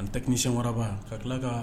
Ani technicien waraba ka tila ka